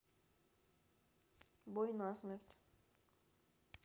бой на смерть